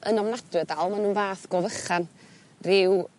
yn ofnadwy o dal ma' nw'n fath go fychan ryw